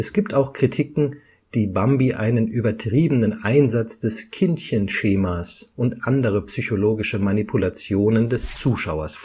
gibt auch Kritiken, die Bambi einen übertriebenen Einsatz des Kindchenschemas und andere psychologische Manipulationen des Zuschauers